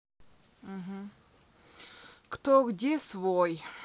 кто где свой